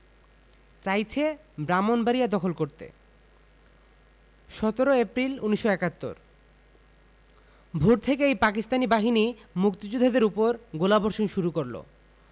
চাইছে ব্রাহ্মনবাড়িয়া দখল করতে ১৭ এপ্রিল ১৯৭১ ভোর থেকেই পাকিস্তানি বাহিনী মুক্তিযোদ্ধাদের উপর গোলাবর্ষণ শুরু করল